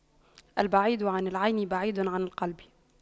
البعيد عن العين بعيد عن القلب